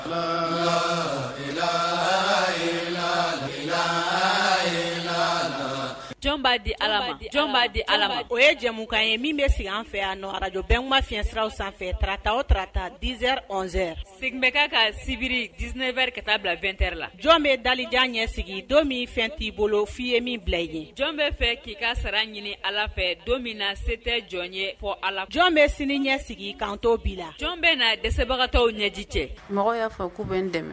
'a di'a di ala o ye jamumukan ye min bɛ sigi an fɛ a araj bɛɛ ma fisiraw sanfɛ tata o tata dizz segin bɛ ka ka sibiri d7 wɛrɛri ka taa bila2t la jɔn bɛ dajan ɲɛsigi don min fɛn ti bolo f'i ye min bila i ye jɔn bɛ fɛ k'i ka sara ɲini ala fɛ don min na se tɛ jɔn ye fɔ a la jɔn bɛ sini ɲɛ sigi kantɔn bi la jɔn bɛ na dɛsɛbagatɔw ɲɛji cɛ mɔgɔ y'a bɛ dɛmɛ